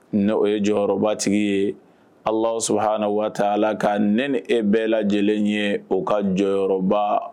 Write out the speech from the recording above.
Ne o ye jɔyɔrɔba tigi ye ala sɔrɔ hana waa la ka ne ni e bɛɛ lajɛlen ye o ka jɔyɔrɔba